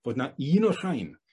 bod 'na un o'r rhain